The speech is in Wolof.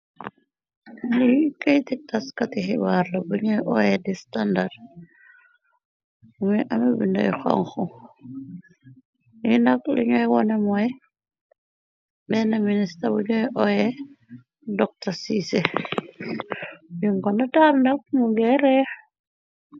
Li këytik taskati xibaar la buñuy oyé di standar muy ame bindoy xonxu yinax luñuy wona mooy benn minista buñuy oye dr cise yungona taamnak mu geereex.